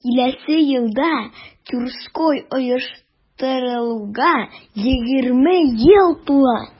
Киләсе елда Тюрксой оештырылуга 20 ел тула.